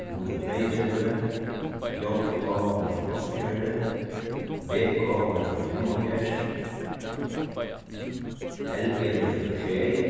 hundrað og tveyogtretivu j h níggju hundrað og áttaogfjøruti v k níggju hundrað og fimmoghálvfjerðs l g níggju hundrað og sjey